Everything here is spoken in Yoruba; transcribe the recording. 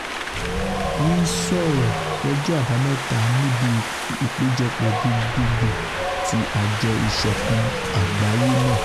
Ri ńsọ̀rọ̀ lọ́jọ́ Àbámẹ́ta níbi Ìpéjọpọ̀ Gbogbogbòò ti Àjọ Ìṣọ̀kan Àgbáyé náà.